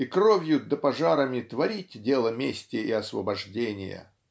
и кровью да пожарами гворить дело мести и освобождения.